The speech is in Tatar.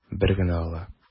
Бер генә ала.